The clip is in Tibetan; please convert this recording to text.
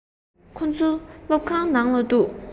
ཁོ ཚོ སློབ ཁང ནང ལ འདུག